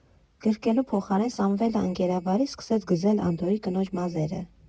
Գրկելու փոխարեն Սամվելը ընկերավարի սկսեց գզել Անդոյի կնոջ մազերը։